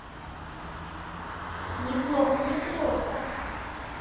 неплохо неплохо